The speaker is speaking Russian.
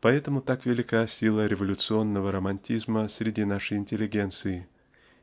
Поэтому так и велика сила революционного романтизма среди нашей интеллигенции